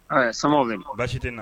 Aa sababu bɛ baasi tɛ na